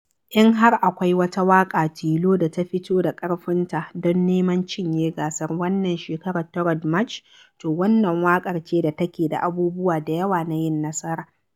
In har akwai wata waƙa tilo da ta fito da ƙarfinta don neman cinye gasar wannan shekarar ta Road March, to wannan waƙar ce da take da abubuwa d yawa na yin nasara: